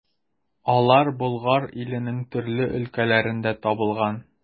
Алар Болгар иленең төрле өлкәләрендә табылган.